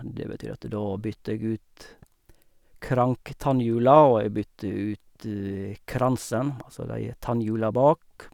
Det betyr at da bytta jeg ut krank-tannhjula, og jeg bytta ut kransen, altså de tannhjula bak.